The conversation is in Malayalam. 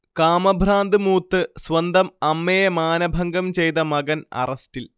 കാമഭ്രാന്ത് മൂത്ത് സ്വന്തം അമ്മയെ മാനഭംഗം ചെയ്ത മകൻ അറസ്റ്റിൽ